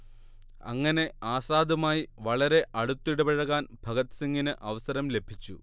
അങ്ങനെ ആസാദുമായി വളരെ അടുത്തിടപഴകാൻ ഭഗത് സിംഗിന് അവസരം ലഭിച്ചു